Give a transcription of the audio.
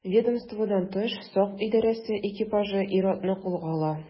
Ведомстводан тыш сак идарәсе экипажы ир-атны кулга ала.